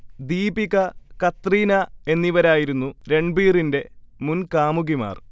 ദീപിക, കത്രീന എന്നിവരായിരുന്നു രൺബീറിന്റെ മുൻ കാമുകിമാർ